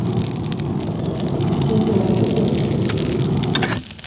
синдром петрушки